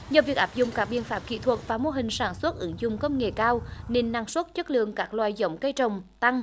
nhờ việc áp dụng các biện pháp kỹ thuật và mô hình sản xuất ứng dụng công nghệ cao nên năng suất chất lượng các loại giống cây trồng tăng